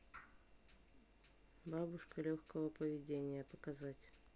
бабушка легкого поведения показать